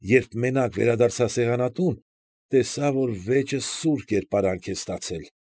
Երբ մենակ վերադարձա սեղանատուն, տեսա, որ վեճը սուր կերպարանք է ստացել։